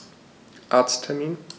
Arzttermin